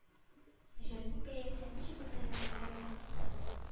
Җирнең бәясе ничек күтәрелергә мөмкин соң